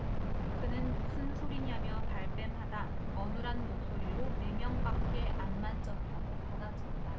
그는 무슨 소리냐며 발뺌하다 어눌한 목소리로 네 명밖에 안 만졌다고 받아쳤다